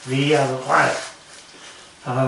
fi a fy chwaer.